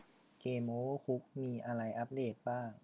เกมโอเวอร์คุกมีอะไรอัปเดตบ้าง